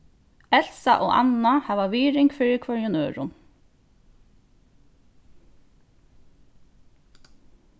elsa og anna hava virðing fyri hvørjum øðrum